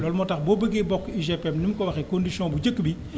loolu moo tax boo bëggee bokk UGPM ni ñu ko waxee condition bu njëkk bi